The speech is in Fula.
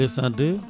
202